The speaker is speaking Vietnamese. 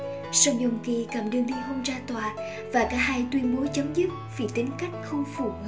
song joong ki cầm đơn ly hôn ra tòa và cả hai tuyên bố chấm dứt vì tính cách không phù hợp